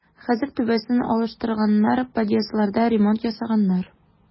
Хәзер түбәсен алыштырганнар, подъездларда ремонт ясаганнар.